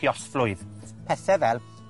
lluosflwydd, pethe fel